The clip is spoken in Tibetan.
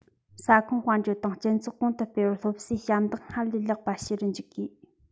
ས ཁོངས དཔལ འབྱོར དང སྤྱི ཚོགས གོང དུ སྤེལ བར སློབ གསོས ཞབས འདེགས སྔར ལས ལེགས པ ཞུ རུ འཇུག དགོས